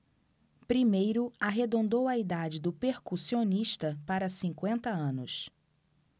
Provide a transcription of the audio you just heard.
primeiro arredondou a idade do percussionista para cinquenta anos